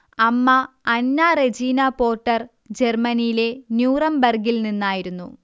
അമ്മ Anna Regina Porter ജർമ്മനിയിലെ ന്യൂറംബർഗ്ഗിൽ നിന്നായിരുന്നു